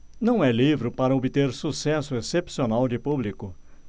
não é livro para obter sucesso excepcional de público